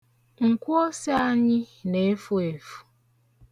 Nkwoose anyị na-efu efu.